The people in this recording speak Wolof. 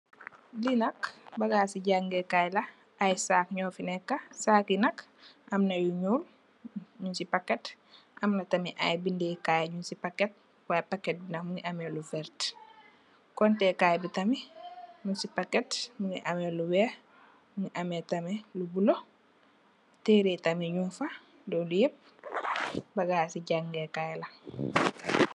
Lee nak bagasse jagekay la aye sagg nufe neka sagg ye nak amna yu nuul nug se packete amna tamin aye bede kaye nug se packete y packet be nak muge ameh lu verte konte kaye be tamin mugse packete muge ameh lu weex muge ameh tamin lu bulo tereh tamin mugfa lolu yep bagasse jagekay la.